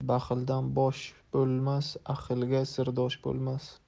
baxildan bosh bo'lmas ahilga sirdosh bo'lmas